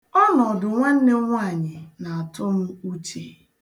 Ọnọdụ nwanne m nwaanyị na-atụ m uche.